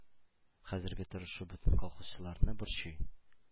Хәзерге торышы бөтен колхозчыларны борчый.